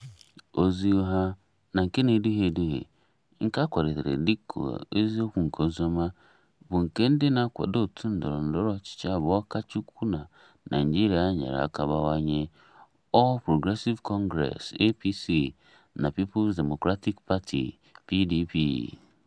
Ozi ụgha na nke na-eduhie eduhie, nke a kwalitere dị ka eziokwu nke oziọma, bụ nke ndị na-akwado òtù ndọrọ ndọrọ ọchịchị abụọ kacha ukwu na Naịjirịa nyere aka bawanye: All Progressive Congress (APC) na People's Democratic Party (PDP).